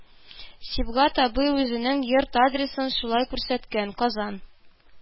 Сибгат абый үзенең йорт адресын шулай күрсәткән, Казан